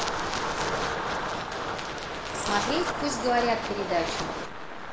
смотреть пусть говорят передачу